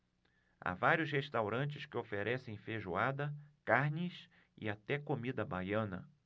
há vários restaurantes que oferecem feijoada carnes e até comida baiana